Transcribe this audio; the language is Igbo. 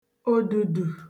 òdùdù